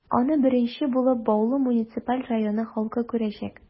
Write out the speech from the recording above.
Аны беренче булып, Баулы муниципаль районы халкы күрәчәк.